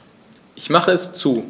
Ich mache es zu.